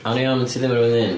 Awn ni am ti ddim ar ben dy hun.